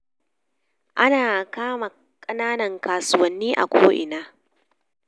Ana kama kananan kasuwanni a ko'ina. "